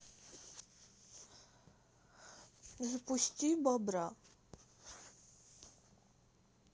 запусти бобра